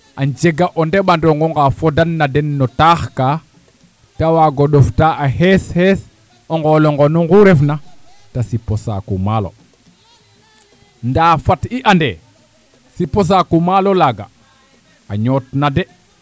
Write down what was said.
'a njega o ɗeɓandoong onga fodanna den no taax kaa ta waag o ɗoftaa a xees xees o nqool o nqonu onguu refna ta sip o saaku maalo ndaa fat i and ee sip o saaku maalo laaga a ñootna de